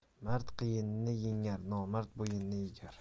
mard qiyinni yengar nomard bo'ynini egar